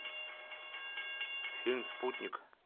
фильм спутник